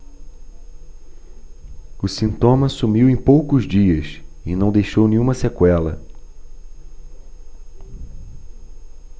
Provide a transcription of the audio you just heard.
o sintoma sumiu em poucos dias e não deixou nenhuma sequela